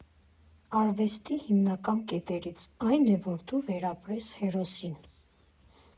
Արվեստի հիմնական կետերից է այն, որ դու վերապրես հերոսին։